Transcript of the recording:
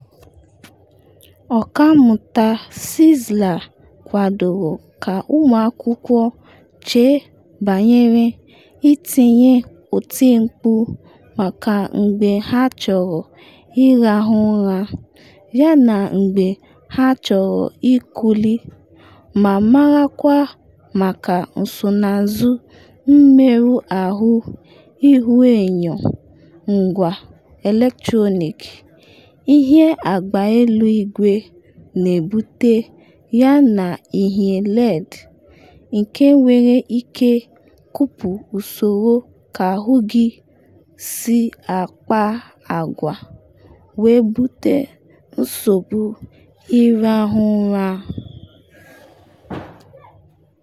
Ọkammụta Czeisler kwadoro ka ụmụ akwụkwọ chee banyere itinye otimkpu maka mgbe ha chọrọ ịrahụ ụra, yana mgbe ha chọrọ ikuli, ma marakwa maka nsonazụ mmerụ ahụ ihuenyo ngwa eletrọnịk “ihie agba elu igwe” na-ebute yana ihie LED, nke nwere ike kụpụ usoro ka ahụ gị si akpa agwa, we bute nsogbu ịrahụ ụra.